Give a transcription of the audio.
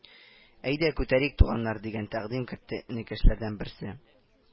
Әйдә, күтәрик, туганнар, - дигән тәкдим кертте энекәшләрдән берсе